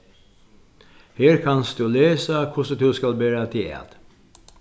her kanst tú lesa hvussu tú skalt bera teg at